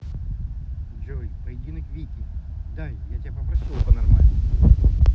джой поединок вики дай я тебя попросила по нормальному